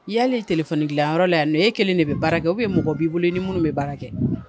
Y'aleli tele dilanyɔrɔ la yan n ye kelen de bɛ baara kɛ u bɛ mɔgɔ b'i bolo ni minnu bɛ baara kɛ